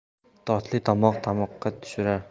totli tomoq tamuqqa tushirar